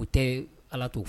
U tɛ ala to